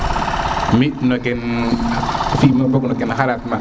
mi no ki fi ma boog no ke xatat ma